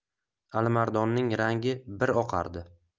alimardonning rangi bir oqardi